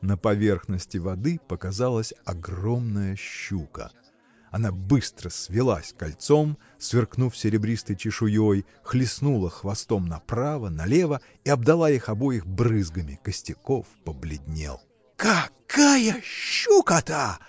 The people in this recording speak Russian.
На поверхности воды показалась огромная щука. Она быстро свилась кольцом сверкнув серебристой чешуей хлестнула хвостом направо налево и обдала их обоих брызгами. Костяков побледнел. – Какая щука-то!